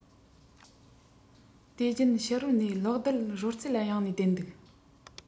དུས རྒྱུན ཕྱི རོལ ནས གློག རྡུལ རོལ རྩེད ལ གཡེང ནས བསྡད འདུག